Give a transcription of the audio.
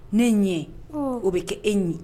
Ne ɲɛ o bɛ kɛ e ɲi